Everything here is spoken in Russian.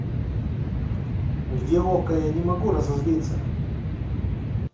где okko я не могу разозлиться